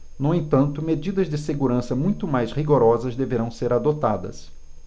no entanto medidas de segurança muito mais rigorosas deverão ser adotadas